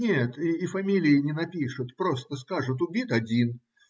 Нет, и фамилии не напишут; просто скажут: убит один.